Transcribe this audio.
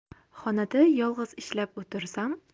xonada yolg'iz ishlab o'tirsam